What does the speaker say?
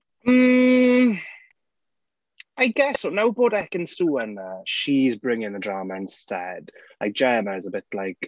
Ymm I guess, nawr bod Ekin Su yna she's bringing the drama instead like Gemma's a bit like...